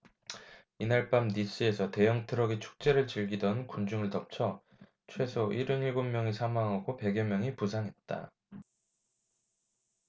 이날 밤 니스에서 대형트럭이 축제를 즐기던 군중을 덮쳐 최소 일흔 일곱 명이 사망하고 백 여 명이 부상했다